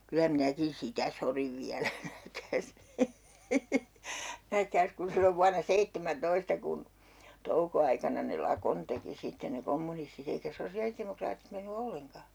kyllä minäkin sitä sodin vielä nähkääs nähkääs kun silloin vuonna seitsemäntoista kun toukoaikana ne lakon teki sitten ne kommunistit eikä sosiaalidemokraatit mennyt ollenkaan